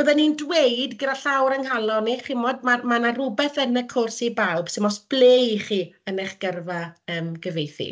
byddwn i'n dweud gyda llaw ar fy nghalon i chimod ma' ma' 'na rywbeth yn y cwrs i bawb 'sdim ots ble 'y chi yn eich gyrfa yym gyfieithu.